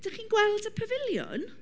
Dach chi'n gweld y pafiliwn?